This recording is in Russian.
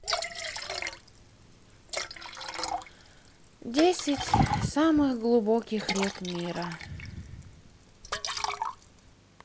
десять самых глубоких рек мира